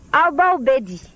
aw baw bɛ di